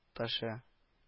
Ташы